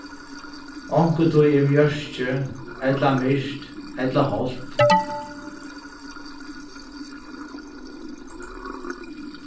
onkuntíð er mjørki ella myrkt ella hált